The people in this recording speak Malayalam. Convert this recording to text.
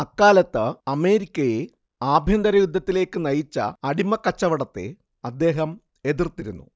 അക്കാലത്ത് അമേരിക്കയെ ആഭ്യന്തരയുദ്ധത്തിലേയ്ക്കു നയിച്ച അടിമക്കച്ചവടത്തെ അദ്ദേഹം എതിർത്തിരുന്നു